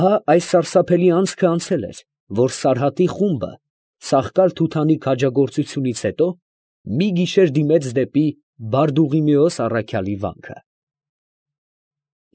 Ահա՛ այս սարսափելի անցքը անցել էր, որ Սարհատի խումբը, Սախկալ֊Թութանի քաջագործությունից հետո, մի գիշեր դիմեց դեպի Բարդուղիմեոս առաքյալի վանքը։